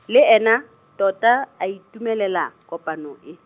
le ene, tota, a itumelela, kopano e.